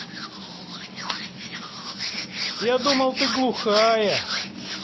я думал ты глухая